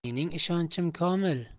mening ishonchim komil